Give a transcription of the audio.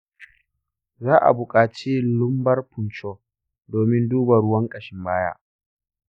za a buƙaci yin lumbar puncture domin duba ruwan ƙashin baya.